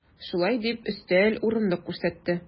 Шулай дип, өстәл, урындык күрсәтте.